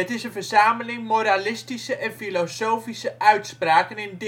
is een verzameling moralistische en filosofische uitspraken in